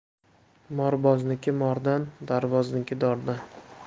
morbozniki mordan dorbozniki dordan